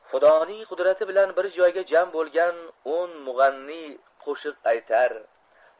xudoning qudrati bilan bir joyga jam bo'lgan o'n mug'anniy qo'shiq ay tar